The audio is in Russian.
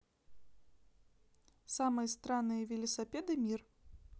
самые странные велисапеды мир